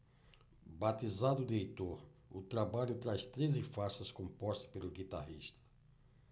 batizado de heitor o trabalho traz treze faixas compostas pelo guitarrista